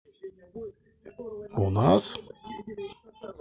у нас